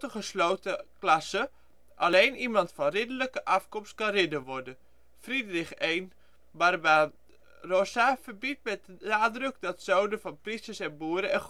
gesloten klasse. Alleen iemand van ridderlijke afkomst kan ridder worden. Friedrich I Barbarossa verbied met nadruk dat zonen van priesters en boeren